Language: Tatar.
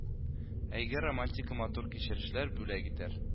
Әйге романтика матур кичерешләр бүләк итәр